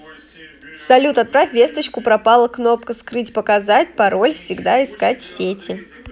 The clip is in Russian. салют отправь весточку пропала кнопка скрыть показать пароль всегда искать сети